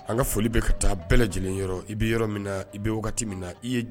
Ka foli taa bɛɛ lajɛlen i bɛ yɔrɔ min i bɛ min i